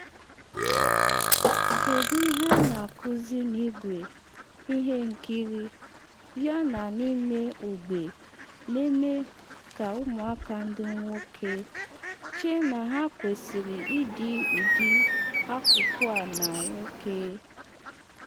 Kedu ihe a na-akuzi n’igwe ihe nkiri, yana n’ime ogbe na-eme ka ụmụaka ndị nwoke chee na ha kwesịrị ịdị ụdị akụkụ a na nwoke?